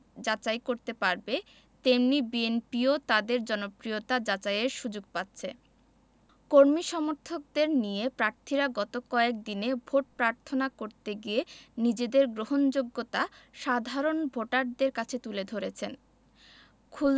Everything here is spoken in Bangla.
জনপ্রিয়তা যাচাই করতে পারবে তেমনি বিএনপিও তাদের জনপ্রিয়তা যাচাইয়ের সুযোগ পাচ্ছে কর্মী সমর্থকদের নিয়ে প্রার্থীরা গত কয়েক দিনে ভোট প্রার্থনা করতে গিয়ে নিজেদের গ্রহণযোগ্যতা সাধারণ ভোটারদের কাছে তুলে ধরেছেন